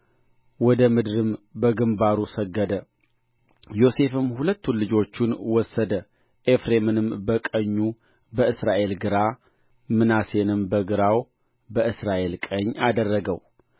ወደ ምድርም በግምባሩ ሰገደ ዮሴፍም ሁለቱን ልጆቹን ወሰደ ኤፍሬምንም በቀኙ በእስራኤል ግራ ምናሴንም በግራው በእስራኤል ቀኝ አደረገው